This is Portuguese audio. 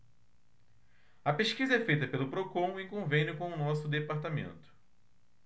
a pesquisa é feita pelo procon em convênio com o diese